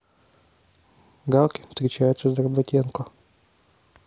галкин встречается с дроботенко